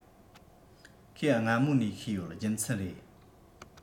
ཁོས སྔ མོ ནས ཤེས ཡོད རྒྱུ མཚན རེད